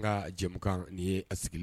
An ka jɛmu n'i ye a sigilen